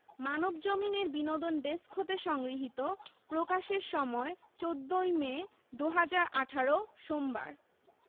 মানবজমিন এর বিনোদন ডেস্ক হতে সংগৃহীত প্রকাশের সময় ১৪ই মে ২০১৮ সোমবার